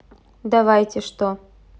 давайте что